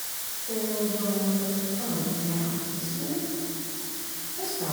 Og var vant med at vi sko høste.